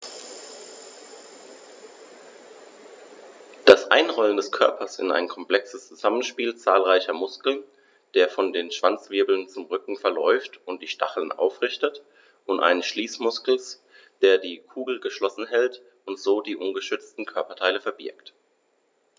Das Einrollen des Körpers ist ein komplexes Zusammenspiel zahlreicher Muskeln, der von den Schwanzwirbeln zum Rücken verläuft und die Stacheln aufrichtet, und eines Schließmuskels, der die Kugel geschlossen hält und so die ungeschützten Körperteile verbirgt.